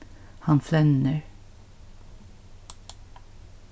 hann flennir